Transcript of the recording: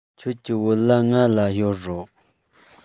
ཁྱོད ཀྱི བོད ལྭ ང ལ གཡོར རོགས